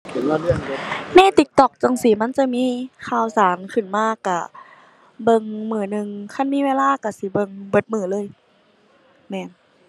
ใน TikTok จั่งซี้มันจะมีข่าวสารขึ้นมาก็เบิ่งมื้อหนึ่ง คันมีเวลาก็สิเบิ่งเบิดมื้อเลย แม่น